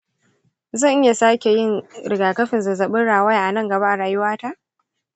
zan iya sakeyin rigakafin zazzabin rawaya a nan gaba a rayuwata?